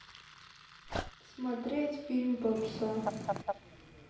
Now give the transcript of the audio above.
смотреть фильм попса